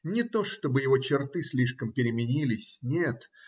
не то чтобы его черты слишком переменились - нет